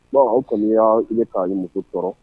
Bon anw kɔni y' hakili k' ni muso sɔrɔ